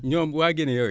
ñoom waa Guinée yooyu